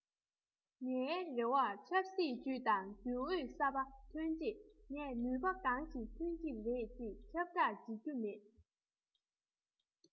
ངའི རེ བར ཆབ སྲིད ཅུད དང རྒྱུན ཨུད གསར པ ཐོན རྗེས ངས ནུས པ གང ཞིག ཐོན གྱི རེད ཅེས ཁྱབ བསྒྲགས བྱེད རྒྱུ མེད